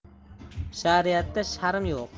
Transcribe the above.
shariatda sharm yo'q